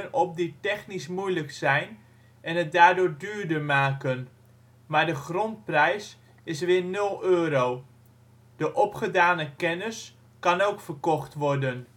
op die technisch moeilijk zijn en het daardoor duurder maken. Maar de " grondprijs " is weer 0 euro. De opgedane kennis kan ook verkocht worden